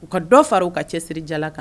U ka dɔ fara u ka cɛ siri jala kan